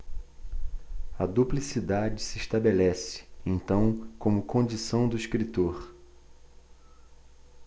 a duplicidade se estabelece então como condição do escritor